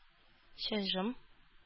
Чыжым